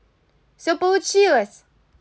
все получилось